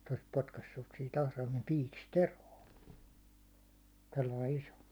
se olisi potkaissut sitten atraimen piikistä eroon tuollainen iso